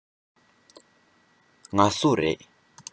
ང སུ རེད